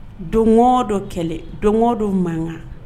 Don dɔ kɛlɛ don dɔ mankanka